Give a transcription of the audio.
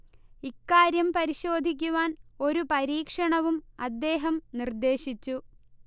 ഇക്കാര്യം പരിേശാധിക്കുവാൻ ഒരു പരീക്ഷണവും അദ്ദേഹം നിർേദ്ദശിച്ചു